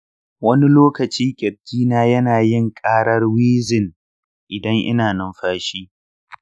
wani lokaci kirji na yana yin ƙarar wheezing idan ina numfashi.